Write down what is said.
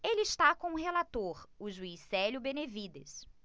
ele está com o relator o juiz célio benevides